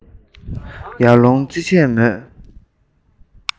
ཡར སློང རྩིས བྱས མོད